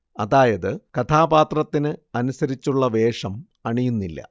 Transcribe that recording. അതായത് കഥാപാത്രത്തിനു അനുസരിച്ചുള്ള വേഷം അണിയുന്നില്ല